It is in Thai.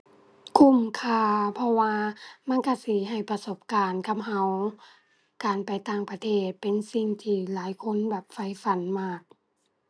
คุ้มค่า เพราะว่ามันก็สิให้ประสบการณ์กับก็ การไปต่างประเทศเป็นสิ่งที่หลายคนแบบใฝ่ฝันมาก